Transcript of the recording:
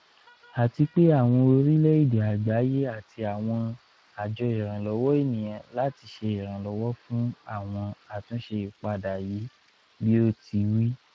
"A ti pe awọn orílẹ̀-èdè agbaye ati awọn ajọ iranlọwọ eniyan lati ṣe iranlọwọ fun awọn atunṣe ipada yii,"bi o ti wi.